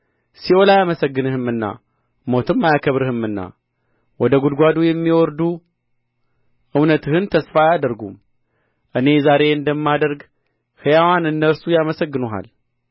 ሲኦል አያመሰግንህምና ሞትም አያከብርህምና ወደ ጕድጓዱ የሚወርዱ እውነትህን ተስፋ አያደርጉም እኔ ዛሬ አንደማደርግ ሕያዋን እነርሱ ያመሰግኑሃል